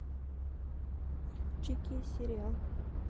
чики сериал